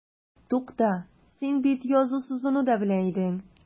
Тукта, син бит язу-сызуны да белә идең.